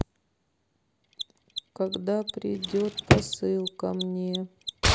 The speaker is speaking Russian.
когда придет посылка мне